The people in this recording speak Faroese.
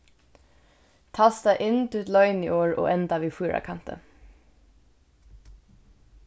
tasta inn títt loyniorð og enda við fýrakanti